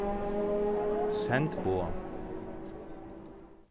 send boð